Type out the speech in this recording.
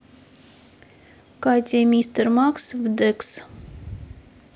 катя и мистер макс в детс